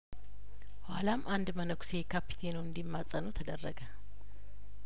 ኋላም አንድ መንኩሴ ካፒቴኑን እንዲ ማጸኑ ተደረገ